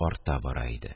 Арта бара иде.